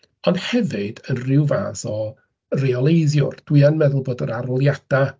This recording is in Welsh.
Ond hefyd, yn ryw fath o reoleiddiwr, dwi yn meddwl bod yr arholiadau...